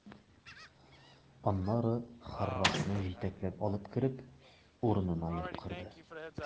Аннары Харрасны җитәкләп алып кереп, урынына яткырды.